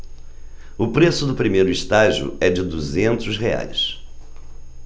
o preço do primeiro estágio é de duzentos reais